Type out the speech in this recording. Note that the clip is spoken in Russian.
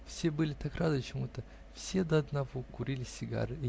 все были так рады чему-то, все до одного курили сигары.